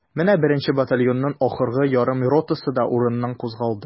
Менә беренче батальонның ахыргы ярым ротасы да урыныннан кузгалды.